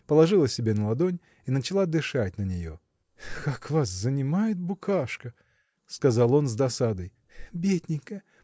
положила себе на ладонь и начала дышать на нее. – Как вас занимает букашка! – сказал он с досадой. – Бедненькая!